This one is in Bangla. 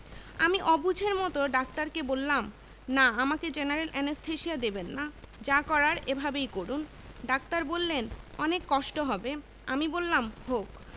আমি অবুঝের মতো ডাক্তারকে বললাম না আমাকে জেনারেল অ্যানেসথেসিয়া দেবেন না যা করার এভাবেই করুন ডাক্তার বললেন অনেক কষ্ট হবে আমি বললাম হোক